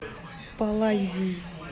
полазий